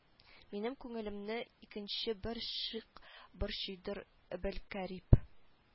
Минем күңелемне икенче бер шик борчыйдыр абелкарип